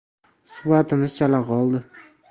suhbatimiz chala qoldi